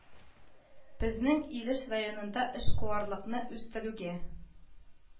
Безнең Илеш районында эшкуарлыкны үстерүгә